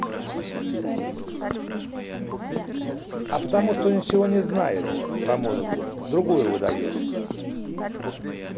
а потому что ничего не знает про музыку другую выдаешь